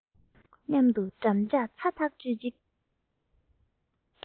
མཉམ དུ འགྲམ ལྕག ཚ ཐག ཆོད གཅིག